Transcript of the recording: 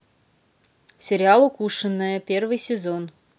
сериал укушенная первый сезон